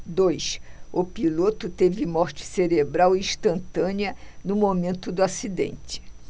dois o piloto teve morte cerebral instantânea no momento do acidente